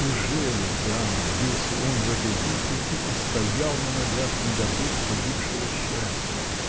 Ужели даром бился он в этой битве и устоял на ногах, не добыв погибшего счастья?